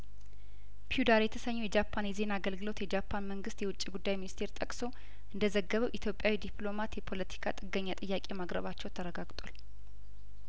ፒዩዳር የተሰኘው የጃፓን የዜና አገልግሎት የጃፓን መንግስት የውጭ ጉዳይ ሚኒስትር ጠቅሶ እንደዘገበው ኢትዮጵያዊው ዲፕሎማት የፖለቲካ ጥገኛ ጥያቄ ማቅረባቸው ተረጋግጧል